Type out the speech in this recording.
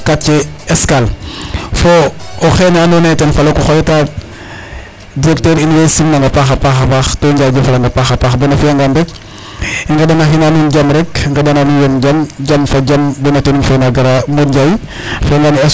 quartier esclale fo o xene andoona yee ten falaku xooyta directeur in woy simnang a paax a paax to njaajefalang a paax a paax bon a fi'angaan rek i nqeɗahin a nuun jam rek nqeɗa nu yong jam ,jam fa jam bo no tening fe fa gara modou Ndiaye fi'angaan.